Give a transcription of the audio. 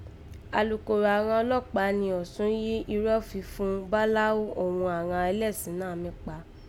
Alukoro àghan ọlọ́pàá ni Ọ̀sún jí irọ́ fifun báláú òghun àghan ẹlẹ́sìn náà mí kpa